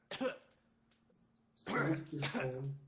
сливки шоу